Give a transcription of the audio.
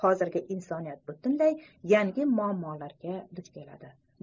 hozirgi insoniyat butunlay yangi muammolarga duch keladi